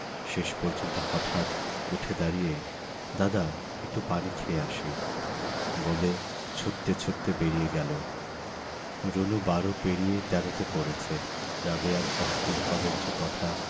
শেষ পর্যন্ত হঠাৎ উঠে দাড়িয়ে দাদা একটু পানি খেয়ে আসি বলে ছুটতে ছুটতে বেরিয়ে গেল রুনু বারো পেরিয়ে তেরোতে পড়েছে রাবেয়ার অশ্লীল কদৰ্য কথা